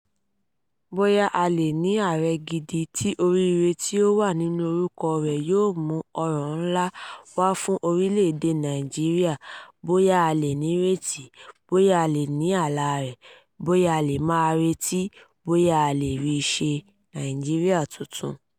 Bóyá, a lè ní Ààrẹ gidi tí oríire tí ó wà nínú orúkọ rẹ̀ yóò mú ọrọ̀ ńlá wá fún orílẹ̀-èdè Nigeria, bóyá, a lè ní ìrètí, bóyá, a lè ní àlá rẹ̀, bóyá, a lè máa retí, bóyá, a lè ríi ṣe – Nigeria Tuntun.